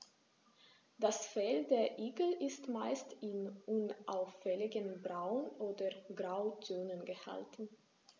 Das Fell der Igel ist meist in unauffälligen Braun- oder Grautönen gehalten.